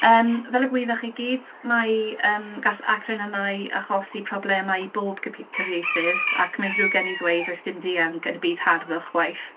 Yym, fel y gwyddoch chi gyd, mae... yym, gall acronymau achosi problemau i bob cypi- cyfeithydd, ac mae'n ddrwg gen i ddweud does dim dianc yn y byd harddwch chwaith.